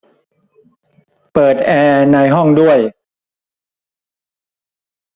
เปิดแอร์ในห้องด้วย